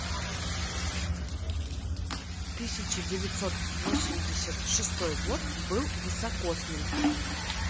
тысяча девятьсот восемьдесят шестой год был високосным